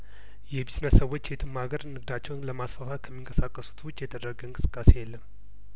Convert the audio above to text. የቢዝነስ ሰዎች የትም ሀገር ንግዳቸውን ለማስፋፋት ከሚንቀሳቀሱት ውጪ የተደረገ እንቅስቃሴ የለም